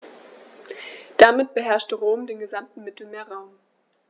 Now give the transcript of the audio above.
Damit beherrschte Rom den gesamten Mittelmeerraum.